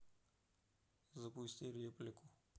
запусти реплику